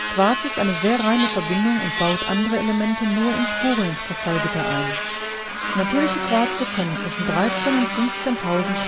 Quarz ist eine sehr reine Verbindung und baut andere Elemente nur in Spuren ins Kristallgitter ein. Natürliche Quarze können zwischen 13 und 15000